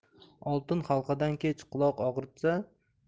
oltin halqadan kech quloq og'ritsa